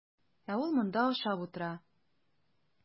Ә ул монда ашап утыра.